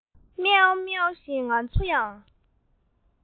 མཱེ མཱེ ཞེས ང ཚོ ཡང